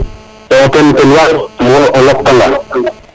to ten waru fañit a loktala